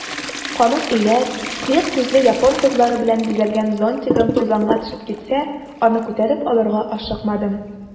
Камыш өйләр, кыек күзле япон кызлары белән бизәлгән зонтигым тузанга төшеп китсә, аны күтәреп алырга ашыкмадым.